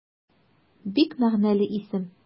Бик мәгънәле исем.